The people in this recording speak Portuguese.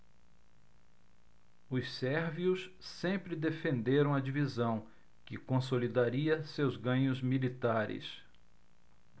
os sérvios sempre defenderam a divisão que consolidaria seus ganhos militares